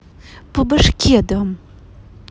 по башке дам